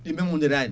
ɗi memodirani